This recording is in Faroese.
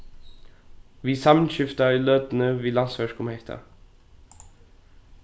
vit samskifta í løtuni við landsverk um hetta